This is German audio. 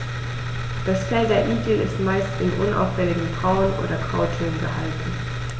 Das Fell der Igel ist meist in unauffälligen Braun- oder Grautönen gehalten.